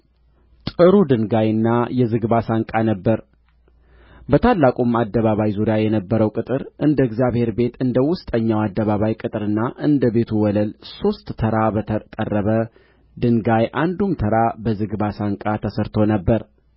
ጥሩ ድንጋይና የዝግባ ሳንቃ ነበረ በታላቁም አደባባይ ዙሪያ የነበረው ቅጥር እንደ እግዚአብሔር ቤት እንደ ውስጠኛው አደባባይ ቅጥርና እንደ ቤቱ ወለል ሦስቱ ተራ በተጠረበ ድንጋይ አንዱም ተራ በዝግባ ሳንቃ ተሠርቶ ነበር